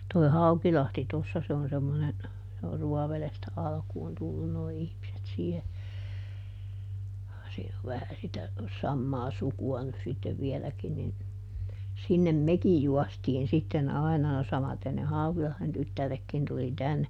tuo Haukilahti tuossa se on semmoinen se on Ruovedestä alkuun tullut nuo ihmiset siihen siinä on vähän sitä samaa sukua nyt sitten vieläkin niin sinne mekin juostiin sitten aina no samaten ne Haukilahden tyttäretkin tuli tänne